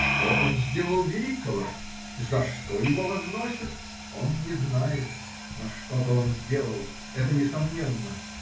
Что он сделал великого, за что его возносят, он не знает, но что-то он сделал, это несомненно.